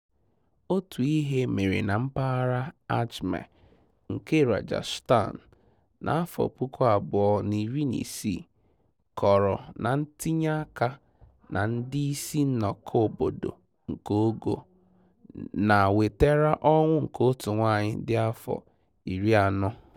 Otu ihe mere na mpaghara Ajmer nke Rajasthan na 2017 kọrọ na ntinye aka na ndị isi nnọkọ obodo nke ogo na-wetere ọnwụ nke otu nwaanyị dị afọ 40.